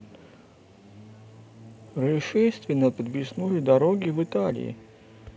происшествие на подвесной дороге в италии